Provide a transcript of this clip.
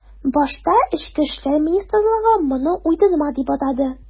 Башта эчке эшләр министрлыгы моны уйдырма дип атады.